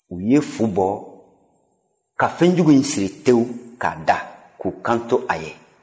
u ye fu bɔ ka fɛnjuguw in siri tewu k'a da k'u kanto a ye